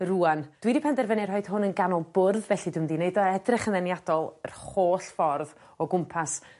rŵan. Dwi 'di penderfynu rhood hwn yn ganol bwrdd felly dwi mynd i neud o edrych yn ddeniadol yr holl ffordd o gwmpas.